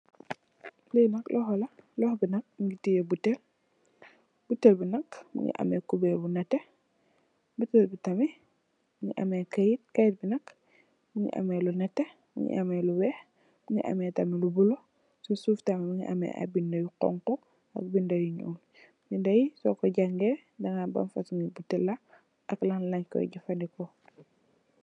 Lii nak loxo la, loxo bi nak, mu ngi tiye butel, butel bi nak, mu ngi amee kubeer bu bulo, butel bi tamit, mu ngi amee kayit bi nak, mu ngi amee lu nétté, my ngi amee lu weex, mu ngi amee tam lu bulo, si suuf tam mu ngi amee, ñuul ak ay bindë yu xoñxu, bindë yi nak soo ko jangee, di nga xam luñ Koy jafëndeko.